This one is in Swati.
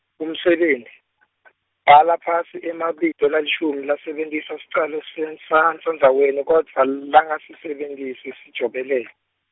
umsebenti, bhala phasi emabito lalishumi lasebentisa sicalo siandza- sandzaweni, kodvwa langasisebentisi sijobelelo.